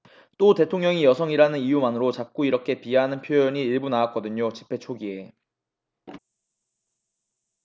또 대통령이 여성이라는 이유만으로 자꾸 이렇게 비하하는 표현이 일부 나왔거든요 집회 초기에